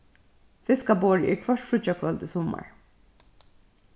fiskaborðið er hvørt fríggjakvøld í summar